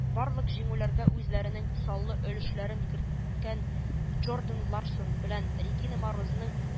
Барлык җиңүләргә үзләренең саллы өлешләрен керткән джордан ларсон белән регина морозның